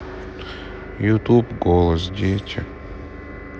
ютюб голос дети